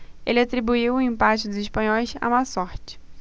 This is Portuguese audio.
ele atribuiu o empate dos espanhóis à má sorte